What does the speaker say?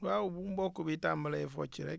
waaw bu mboq bi tàmbalee focc rek